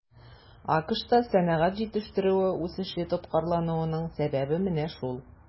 АКШта сәнәгать җитештерүе үсеше тоткарлануның сәбәбе менә шул.